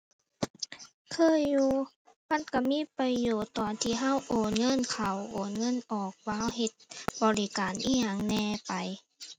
เคยอยู่ มันก็มีประโยชน์ตอนที่ก็โอนเงินเข้าโอนเงินออก ว่าเฮ็ดบริการอิหยังแหน่ไป